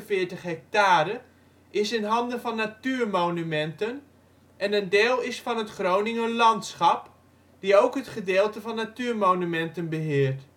3846 ha.) is in handen van Natuurmonumenten en een deel is van Het Groninger Landschap, die ook het gedeelte van Natuurmonumenten beheert